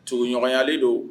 Tuguɲɔgɔnyalen don